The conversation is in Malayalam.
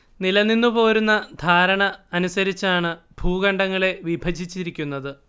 നിലനിന്നു പോരുന്ന ധാരണ അനുസരിച്ചാണ് ഭൂഖണ്ഡങ്ങളെ വിഭജിച്ചിരിക്കുന്നത്